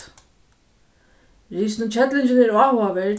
risin og kellingin eru áhugaverd